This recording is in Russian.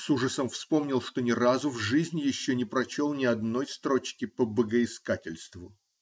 С ужасом вспомнил, что ни разу в жизни еще не прочел ни одной строчки по богоискательству.